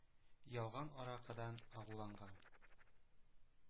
Ялган аракыдан агуланган.